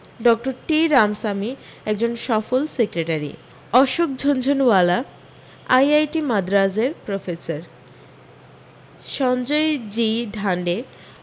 doctor T Ramasamy একজন সফল secretary Ashok Jhunjhunwala IIT মাদ্রাসের প্রফেসর সঞ্জয় জি ঢান্ডে